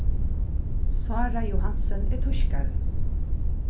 sára johansen er týskari